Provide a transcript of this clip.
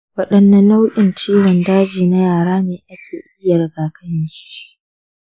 wadanne nau’in ciwon daji na yara ne ake iya rigakafinsu?